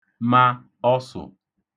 ma ọsụ̀